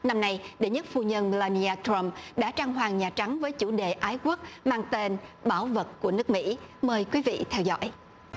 năm nay đệ nhất phu nhân la ni a thờ rom đã trang hoàng nhà trắng với chủ đề ái quốc mang tên bảo vật của nước mỹ mời quý vị theo dõi